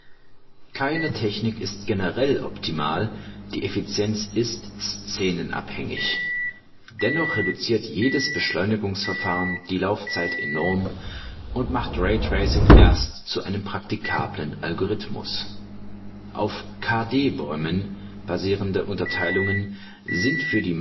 Keine Technik ist generell optimal; die Effizienz ist szenenabhängig. Dennoch reduziert jedes Beschleunigungsverfahren die Laufzeit enorm und macht Raytracing erst zu einem praktikablen Algorithmus. Auf Kd-Bäumen basierende Unterteilungen sind für die